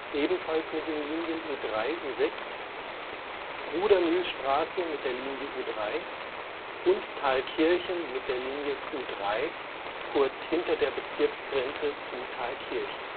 Implerstraße (U3/U6), Brudermühlstraße (U3) und Thalkirchen (U3) kurz hinter der Bezirksgrenze zu Thalkirchen